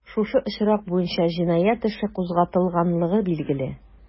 Шушы очрак буенча җинаять эше кузгатылганлыгы билгеле.